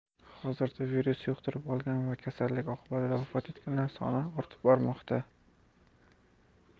hozirda virus yuqtirib olganlar va kasallik oqibatida vafot etganlar soni ortib bormoqda